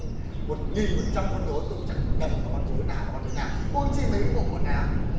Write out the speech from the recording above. một nghìn một trăm con rối tôi chẳng nhầm vào con rối nào vào con rối nào huống chi mấy cái bộ quần áo